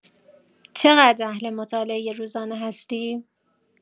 چقدر اهل مطالعه روزانه هستی؟